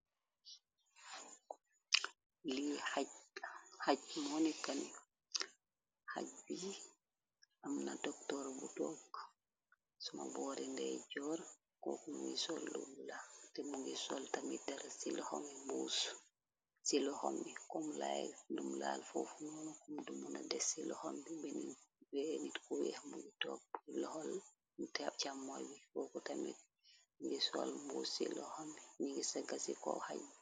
Lii xaj monikani xaj bi amna doktor bu took suma boori ndey joor koku ni sollu bu la te mu ngi sol tami der ci lu xom mi komlaay dumlaal foofu noonu kom dumu na des ci lu xam bi ben wee nit kuwee mui took loxolcàmmooy bi koku tamit ngi sol mbuus ci ni ngi sega ci ko xajb.